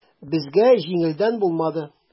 Безгә җиңелдән булмады.